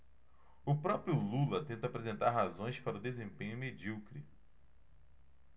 o próprio lula tenta apresentar razões para o desempenho medíocre